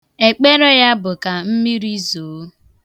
Ekpere ya bụ ka mmiri zoo.